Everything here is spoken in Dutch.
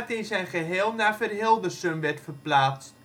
zijn geheel naar Verhildersum werd verplaatst